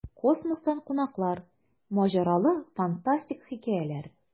Космостан кунаклар: маҗаралы, фантастик хикәяләр.